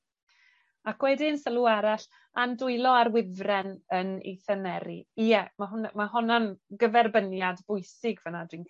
Ac wedyn sylw arall a'n dwylo ar wifren yn ei thyneru. Ie ma' hwn- ma' honna'n gyferbyniad bwysig fan 'na dwi'n